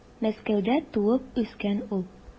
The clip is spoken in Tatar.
Мәскәүдә туып үскән ул.